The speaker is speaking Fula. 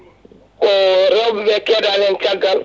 ko rewɓeɓe keedani hen caggal